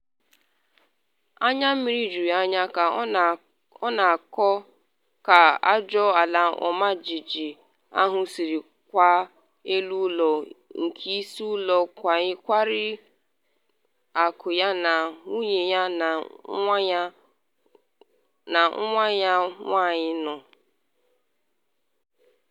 Anya mmiri juru ya anya ka ọ na-akọ ka ajọ ala ọmajiji ahụ siri kwaa elu ụlọ nke ise ụlọ nkwari akụ ya na nwunye ya na nwa ya nwanyị nọ.